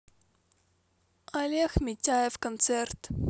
олег митяев концерт